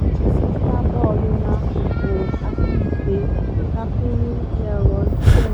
O zigara ọmarịcha bọọlụ n’akụkụ akaekpe gakwuru Leroy Sane.